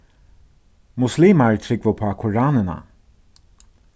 muslimar trúgva upp á koranina